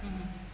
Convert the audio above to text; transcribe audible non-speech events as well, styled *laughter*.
*hesitation* *hesitation*